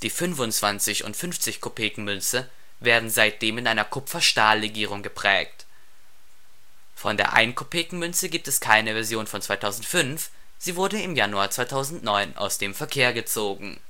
25 - und 50-Kopeken-Münze werden seitdem in einer Kupfer-Stahl-Legierung geprägt. Von der 1-Kopeken-Münze gibt es keine Version von 2005, sie wurde im Januar 2009 aus dem Verkehr gezogen